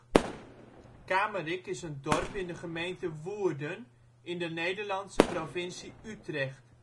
Kamerik is een dorp in de gemeente Woerden in de Nederlandse provincie Utrecht